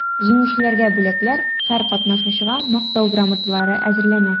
Җиңүчеләргә бүләкләр, һәр катнашучыга мактау грамоталары әзерләнә.